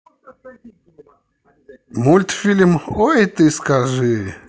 мультфильм ой ты скажи